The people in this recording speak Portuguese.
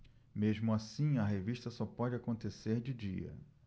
mesmo assim a revista só pode acontecer de dia